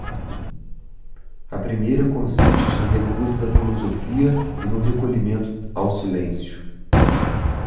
a primeira consiste na recusa da filosofia e no recolhimento ao silêncio